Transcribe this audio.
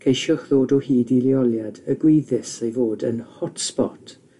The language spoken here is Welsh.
ceisiwch ddod o hyd i leoliad y gwyddys ei fod yn hot sbot